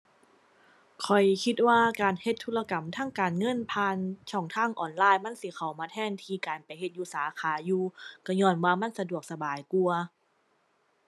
ข้อยคิดว่าการเฮ็ดธุรกรรมทางการเงินผ่านช่องทางออนไลน์ มันสิเข้ามาแทนที่การไปเฮ็ดอยู่สาขาอยู่ ก็ญ้อนว่ามันสะดวกสบายกว่า